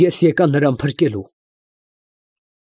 Ես եկա նրան փրկելու…։